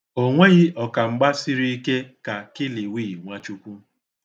O nweghị ọkamgba siri ike ka Kiliwi Nwachukwu.